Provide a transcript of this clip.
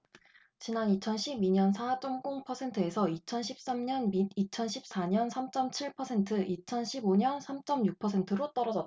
지난 이천 십 이 년 사 쩜 공 퍼센트에서 이천 십 삼 년 및 이천 십 사 년 삼 쩜 칠 퍼센트 이천 십 오 년 삼 쩜 육 퍼센트로 떨어졌다